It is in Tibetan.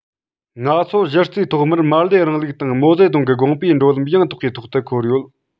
ང ཚོ གཞི རྩའི ཐོག མར ལེའི རིང ལུགས དང མའོ ཙེ ཏུང གི དགོངས པའི འགྲོ ལམ ཡང དག པའི ཐོག ཏུ འཁོར ཡོད